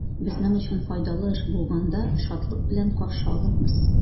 Безнең өчен файдалы эш булганда, шатлык белән каршы алырбыз.